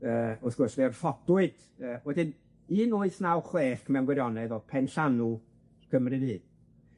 Yy wrth gwrs, fe wrthodwyd yy wedyn un wyth naw chwech mewn gwirionedd o'dd penllanw Cymru Fydd.